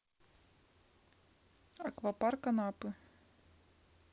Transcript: аквапарк анапы